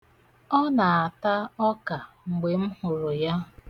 Ọ na-ata ọka mgbe m hụrụ ya.